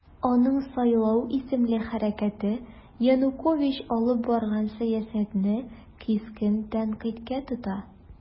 Аның "Сайлау" исемле хәрәкәте Янукович алып барган сәясәтне кискен тәнкыйтькә тота.